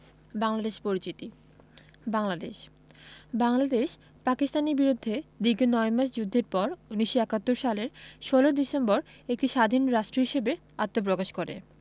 বাংলাদেশপরিচিতি বাংলাদেশ বাংলাদেশ পাকিস্তানের বিরুদ্ধে দীর্ঘ নয় মাস যুদ্ধের পর ১৯৭১ সালের ১৬ ডিসেম্বর একটি স্বাধীন রাষ্ট্র হিসেবে আত্মপ্রকাশ করে